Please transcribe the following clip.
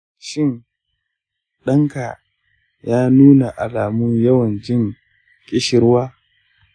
shin ɗanka ya nuna alamun yawan jin ƙishirwa?